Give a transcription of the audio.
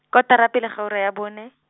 kotara pele ga ura ya bone.